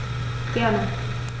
Gerne.